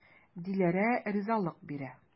Диләрә ризалык бирә.